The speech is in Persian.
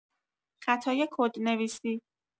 خطای کدنویسی.